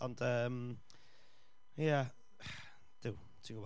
Ond, yym, ia, duw, ti'n gwybod.